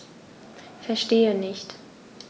Verstehe nicht.